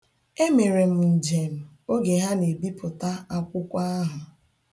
E mere m njem oge ha na-ebipụta akwụkwọ ahụ.